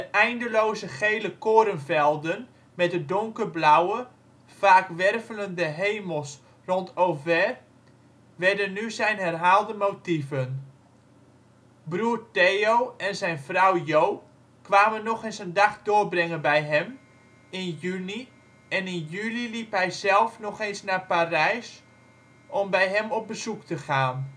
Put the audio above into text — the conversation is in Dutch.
eindeloze gele korenvelden met de donkerblauwe, vaak wervelende hemels rond Auvers werden nu zijn herhaalde motieven. Broer Theo en zijn vrouw Jo kwamen nog eens een dag doorbrengen bij hem, in juni en in juli liep hij zelf nog eens naar Parijs om bij hen op bezoek te gaan